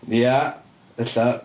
Ia, ella.